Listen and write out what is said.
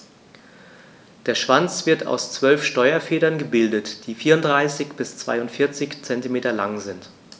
Der Schwanz wird aus 12 Steuerfedern gebildet, die 34 bis 42 cm lang sind.